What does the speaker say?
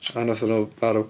A wnaethon nhw farw.